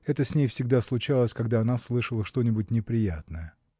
это с ней всегда случалось, когда она слышала что-нибудь неприятное.